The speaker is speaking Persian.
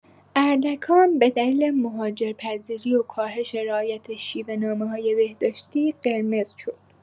اردکان به دلیل مهاجرپذیری و کاهش رعایت شیوه‌نامه‌های بهداشتی، قرمز شد.